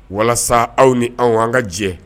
Walasa aw ni aw an ka jɛ